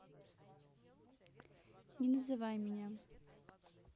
не называй меня